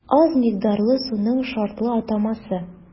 Аз микъдарлы суның шартлы атамасы.